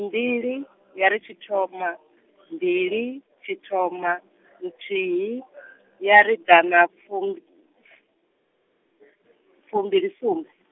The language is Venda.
mbili, ya ri tshithoma, mbili, tshithoma, nthihi, ya ri danafumb- fumbili sumbe.